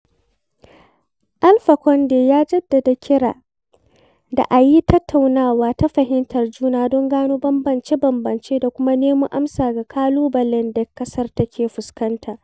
Alpha conde ya jaddada kira da a yi tattaunawa ta fahimtar juna don gano bambamce-bambamce da kuma nemo amsa ga ƙalubalen da ƙasar take fuskanta.